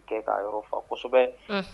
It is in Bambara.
Kɛ ka yɔrɔ fa kosɛbɛ